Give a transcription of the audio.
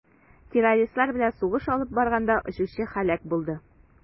Террористлар белән сугыш алып барганда очучы һәлак булды.